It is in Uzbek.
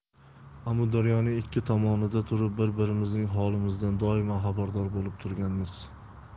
amudaryoning ikki tomonida turib bir birimizning holimizdan doimo xabardor bo'lib turganmiz